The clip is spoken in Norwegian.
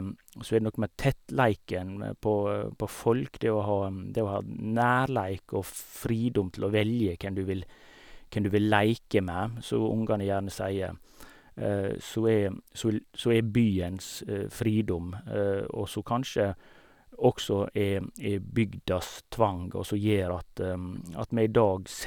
Og så er det noe med tettleiken med på på folk, det å ha det å ha nærleik og fridom til å velge hvem du vil hvem du vil leke med, som ungene gjerne sier, som er så l som er byens fridom, og som kanskje også er er bygdas tvang, og som gjør at at vi i dag se...